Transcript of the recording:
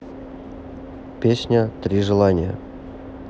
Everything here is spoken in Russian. песня три желания